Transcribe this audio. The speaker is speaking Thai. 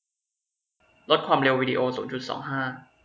ลดความเร็ววีดีโอศูนย์จุดสองห้า